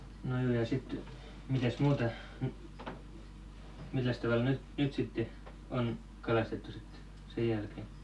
no joo ja sitten mitäs muuta milläs tavalla nyt nyt sitten on kalastettu sitten sen jälkeen